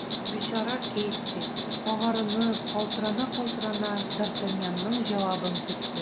Бичара Кэтти, агарынып, калтырана-калтырана, д’Артаньянның җавабын көтте.